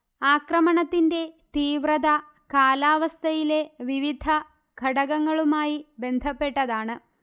ആക്രമണത്തിന്റെ തീവ്രത കാലാവസ്ഥയിലെ വിവിധ ഘടകങ്ങളുമായി ബന്ധപ്പെട്ടതാണ്